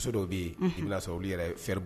Muso dɔw bɛ yen' sɔrɔ olu yɛrɛ